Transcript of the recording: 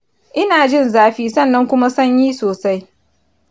ina jin zafi sannan kuma sanyi sosai